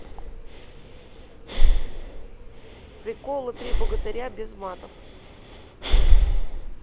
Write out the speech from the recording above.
приколы три богатыря без матов